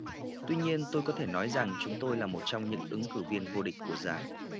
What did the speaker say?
tuy nhiên tôi có thể nói rằng chúng tôi là một trong những ứng cử viên vô địch của giải